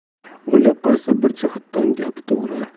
o'ylab qarasa bir jihatdan gapi to'g'ri